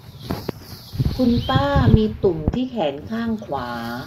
คุณป้ามีตุ่มที่แขนข้างขวา